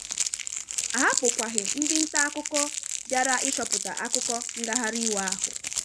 A hapụghịkwa ndị nta akụkọ bịara ịchọpụta akụkọ ngagharị iwe ahụ.